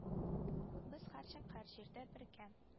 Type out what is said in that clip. Без һәрчак һәр җирдә бергә